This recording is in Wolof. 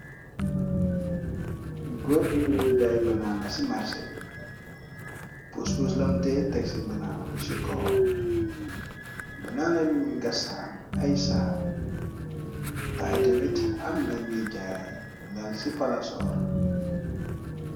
Gor gi mingi jaay banaana ci marsé bi pus buslëmte teg ci banaana bi chi coom banaana bi mi nga saam ay saam te ayté mit am na ñuy jaay lal ci palasor.